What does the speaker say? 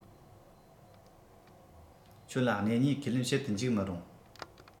ཁྱོད ལ སྣེ གཉིས ཁས ལེན བྱེད དུ འཇུག མི རུང